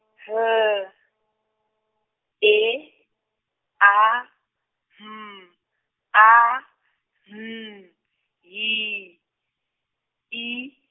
L E A M A N Y I.